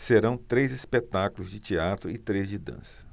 serão três espetáculos de teatro e três de dança